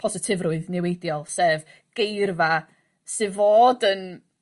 positifrwydd niweidiol sef geirfa sy fod yn